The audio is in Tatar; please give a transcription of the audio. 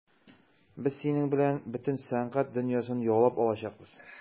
Без синең белән бөтен сәнгать дөньясын яулап алачакбыз.